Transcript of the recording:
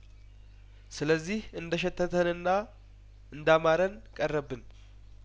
ስለዚህ እንደሸተተንና እንዳማረን ቀረብን